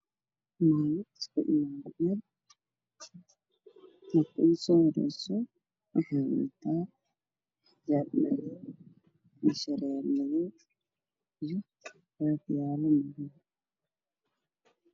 Waxaa ii muuqda meel ay fadhiyaan islaamo mid ay wadato xijaab madow na shareer madow xijaab cadaadis